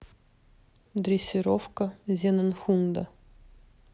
дрессировка зенненхунда